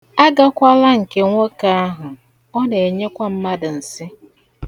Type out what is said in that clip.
Agakwala nke nwoke ahụ, ọ na-enyekwa mmadụ nsị.